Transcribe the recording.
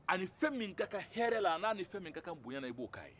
a ni fɛn min ka kan hɛrɛ la an'a ni fɛn min ka kan bonya la i b o k'a ye